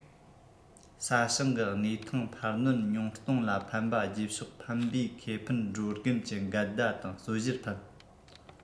ས ཞིང གི གནས ཐང འཕར སྣོན ཉུང གཏོང ལ ཕན པ རྗེས ཕྱོགས ཕན པའི ཁེ ཕན བགོ འགྲེམས ཀྱི འགལ ཟླ དང རྩོད གཞིར ལ ཕན